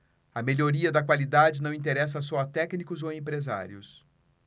a melhoria da qualidade não interessa só a técnicos ou empresários